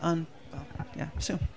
Yym, fel ie so...